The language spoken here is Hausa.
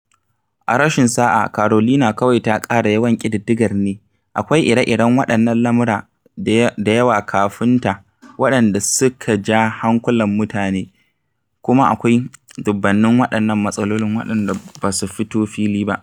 A rashin sa'a, Carolina kawai ta ƙara yawan ƙididdigar ne, akwai ire-iren waɗannan lamura da yawa kafin ta waɗanda suka ja hankulan mutane kuma akwai dubunnan waɗannan matsalolin waɗanda ba su fito fili ba.